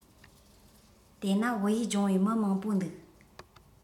དེས ན བོད ཡིག སྦྱོང བའི མི མང པོ འདུག